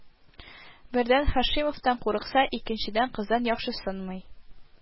Бердән, Һаши-мовтан курыкса, икенчедән, кыздан яхшысынмый